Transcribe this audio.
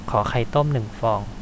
ขอไข่ต้มหนึ่งฟอง